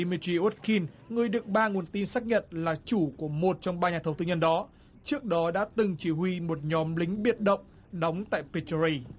i mê di ốt kim người được ba nguồn tin xác nhận là chủ của một trong ba nhà thầu tư nhân đó trước đó đã từng chỉ huy một nhóm lính biệt động đóng tại pê chơ ry